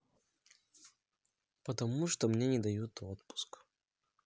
потому что мне не дают отпуск